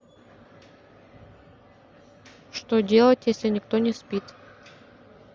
что делать если никто не спит